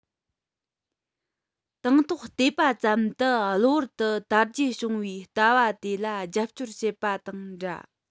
དང ཐོག བལྟས པ ཙམ དུ གློ བུར དུ དར རྒྱས བྱུང བའི ལྟ བ དེ ལ རྒྱབ སྐྱོར བྱེད པ དང འདྲ